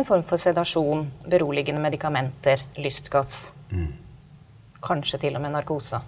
en form for sedasjon, beroligende medikamenter, lystgass, kanskje t.o.m. narkose.